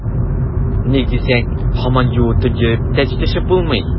Ник дисәң, һаман юыртып йөреп тә җитешеп булмый.